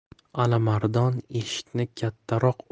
alimardon eshikni kattaroq